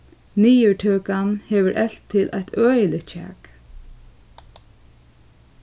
niðurtøkan hevur elvt til eitt øgiligt kjak